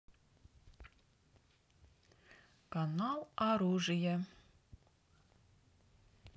канал оружие